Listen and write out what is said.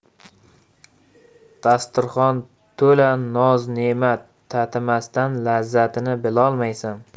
dasturxon to'la noz nemat tatimasdan lazzatini bilolmaysan